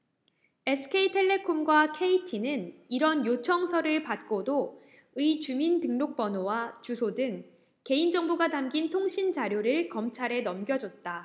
에스케이텔레콤과 케이티는 이런 요청서를 받고도 의 주민등록번호와 주소 등 개인정보가 담긴 통신자료를 검찰에 넘겨줬다